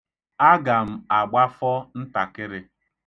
Aga m agbafọ ntakịrị.